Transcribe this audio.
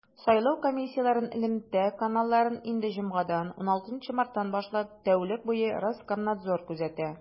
Сайлау комиссияләрен элемтә каналларын инде җомгадан, 16 марттан башлап, тәүлек буе Роскомнадзор күзәтә.